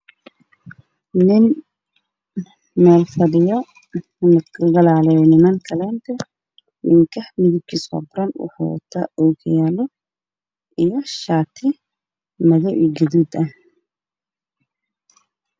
Waa sawir nin oo okiyaalo qabo oo shaati xiran oo meel fadhiyo